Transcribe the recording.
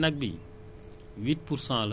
parce que gis nañu jafe-jafe